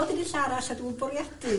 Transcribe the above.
arall a dwi bwriadu...